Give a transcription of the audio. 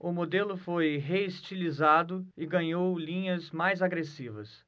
o modelo foi reestilizado e ganhou linhas mais agressivas